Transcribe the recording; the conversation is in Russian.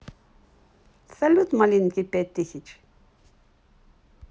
салют малинки пять тысяч